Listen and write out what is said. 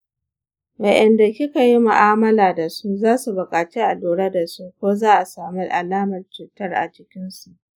waenda kikayi mu'amala dasu zasu bukaci a lura dasu ko za'a samu alamar cutar a jikinsu.